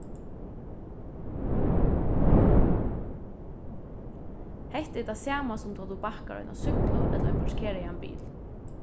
hetta er tað sama sum tá tú bakkar á eina súkklu ella ein parkeraðan bil